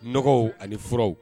N nɔgɔ ani furaw